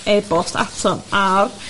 e-bost atom ar